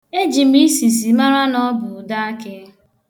Eji m isisi mara na ọ bụ udeakị.